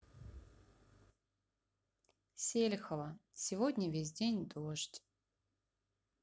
селихова сегодня весь день дождь